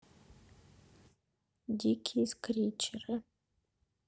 дикие скричеры